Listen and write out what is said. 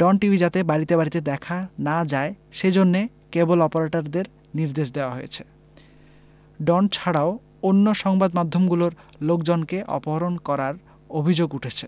ডন TV যাতে বাড়িতে বাড়িতে দেখা না যায় সেজন্যে কেবল অপারেটরদের নির্দেশ দেওয়া হয়েছে ডন ছাড়াও অন্য সংবাদ মাধ্যমগুলোর লোকজনকে অপহরণ করারও অভিযোগ উঠেছে